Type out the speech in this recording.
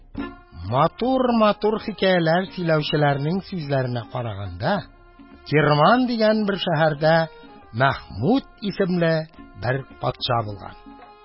Матур-матур хикәяләр сөйләүчеләрнең сүзләренә караганда, Кирман дигән шәһәрдә Мәхмүд исемле бер патша булган.